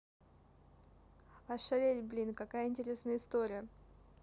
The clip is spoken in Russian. охуеть блядь какая интересная история